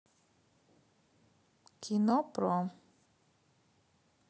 кино про